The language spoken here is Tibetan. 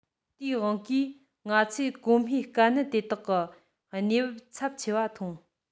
དེའི དབང གིས ང ཚོས གོང སྨྲས དཀའ གནད དེ དག གི གནས བབ ཚབས ཆེ བ མཐོང